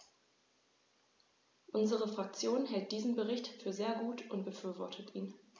Unsere Fraktion hält diesen Bericht für sehr gut und befürwortet ihn.